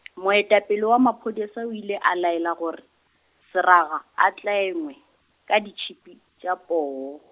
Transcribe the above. moetapele wa maphodisa o ile a laela gore, seraga e tlengwe, ke ditšhipi tša poo.